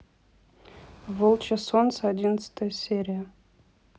волчье солнце одиннадцатая серия